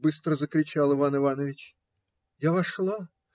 - быстро закричал Иван Иваныч. Я вошла.